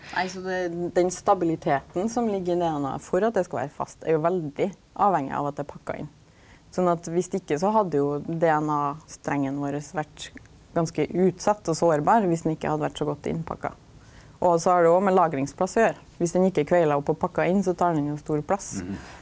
nei så det den stabiliteten som ligg i DNA-et for at det skal vera fast er jo veldig avhengig av at det er pakka inn, sånn at viss ikkje så hadde jo DNA-strengen vår vore ganske utsett og sårbar, viss den ikkje hadde vore så godt innpakka, og så har det jo òg med lagringsplass å gjera, viss den ikkje er kveila opp og pakka inn så tar den jo stor plass.